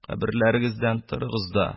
Каберләрегездән торыгыз да,